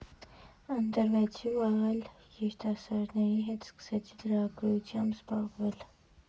Ընտրվեցի ու այլ երիտասարդների հետ սկսեցի լրագրությամբ զբաղվել։